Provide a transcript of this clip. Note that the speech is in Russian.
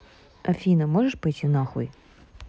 афина можешь пойти нахуй